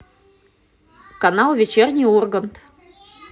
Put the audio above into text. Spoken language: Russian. канал вечерний ургант